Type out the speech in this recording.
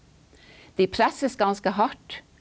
de presses ganske hardt.